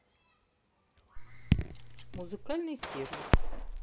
музыкальный сервис